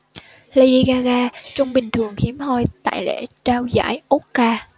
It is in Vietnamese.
lady gaga trông bình thường hiếm hoi tại lễ trao giải oscar